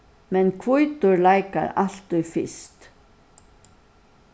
men hvítur leikar altíð fyrst